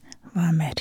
Hva mer?